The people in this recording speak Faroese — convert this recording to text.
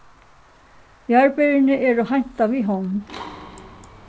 jarðberini eru heintað við hond